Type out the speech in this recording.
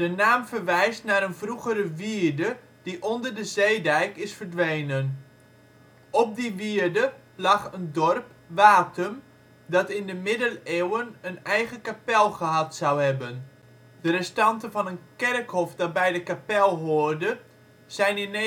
naam verwijst naar een vroegere wierde die onder de zeedijk is verdwenen. Op die wierde lag een dorp Watum, dat in de Middeleeuwen een eigen kapel gehad zou hebben. De restanten van een kerkhof dat bij de kapel hoorde zijn in 1969